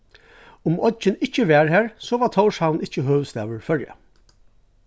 um oyggin ikki var har so var tórshavn ikki høvuðsstaður føroya